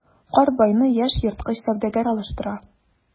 Карт байны яшь ерткыч сәүдәгәр алыштыра.